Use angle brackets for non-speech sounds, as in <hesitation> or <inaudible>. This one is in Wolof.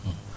<hesitation> <hesitation>